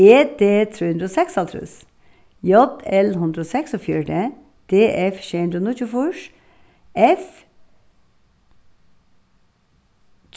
e d trý hundrað og seksoghálvtrýss j l hundrað og seksogfjøruti d f sjey hundrað og níggjuogfýrs f